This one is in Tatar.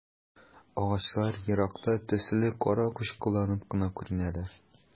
Агачлар еракта төсле каракучкылланып кына күренәләр.